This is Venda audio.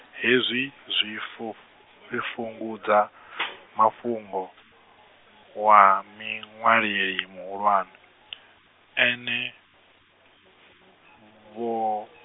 hezwi zwi fu zwi fhungudza mafhungo, wa muṅwaleli muhulwane, ene wo.